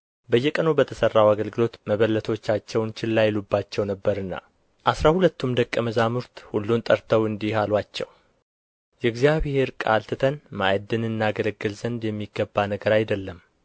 በየቀኑ በተሠራው አገልግሎት መበለቶቻቸውን ችላ ይሉባቸው ነበርና አሥራ ሁለቱም ደቀ መዛሙርት ሁሉን ጠርተው እንዲህ አሉአቸው የእግዚአብሔር ቃል ትተን ማዕድን እናገለግል ዘንድ የሚገባ ነገር አይደለም